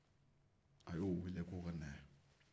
a y'o weele k'o ka n'a yan